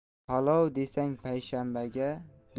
palov desang payshanbaga